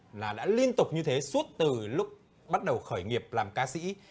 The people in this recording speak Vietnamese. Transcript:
là đã liên tục như thế suốt từ lúc bắt đầu khởi nghiệp làm ca sĩ